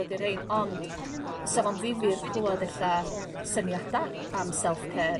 ydi rhein ond sa fo'n ddifyr clŵad ella syniada am self ...